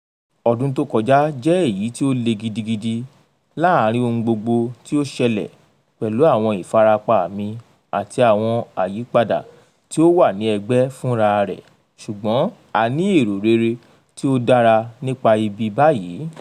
Ọdún tó kọjá jẹ́ èyí tí ó le gidigidi, láàrin ohun gbogbo tí ó ṣẹlẹ̀ pẹ̀lú àwọn ìfarapa mi àti àwọn àyípadà tí ó wà ní ẹgbẹ́ fúnrararẹ̀ ṣùgbọ́n a ní èrò tí ó dára nípa ibi báyìí.